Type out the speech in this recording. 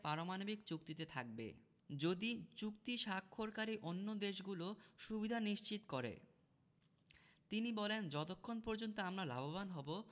পারমাণবিক চুক্তিতে থাকবে যদি চুক্তি স্বাক্ষরকারী অন্য দেশগুলো সুবিধা নিশ্চিত করে তিনি বলেন যতক্ষণ পর্যন্ত আমরা লাভবান হব